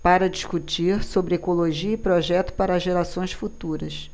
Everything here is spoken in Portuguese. para discutir sobre ecologia e projetos para gerações futuras